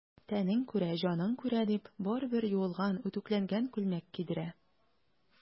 Тәнең күрә, җаның күрә,— дип, барыбер юылган, үтүкләнгән күлмәк кидерә.